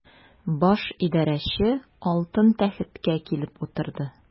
Баш идарәче алтын тәхеткә килеп утырды.